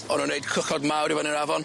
O'n nw'n neud cwchod mawr i fyny'r afon.